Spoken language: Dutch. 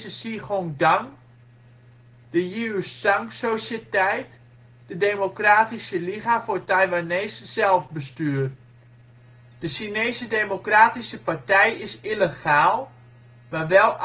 Zhi Gong Dang Jiusan Sociëteit Democratische Liga voor Taiwanees Zelfbestuur De Chinese Democratische Partij is illegaal, maar wel